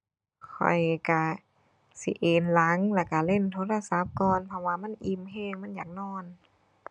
ข้อยก็สิเอนหลังและก็เล่นโทรศัพท์ก่อน เพราะว่ามันอิ่มก็ มันอยากนอน